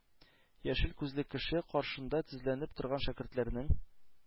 Яшел күзле кеше, каршында тезләнеп торган шәкертләрнең